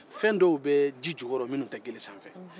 fɛn dɔw bɛ ji jukɔrɔ minnu tɛ gere sanfɛ